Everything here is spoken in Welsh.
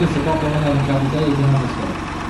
wrth y bobol yna odd yn cadw deud wrthach chdi?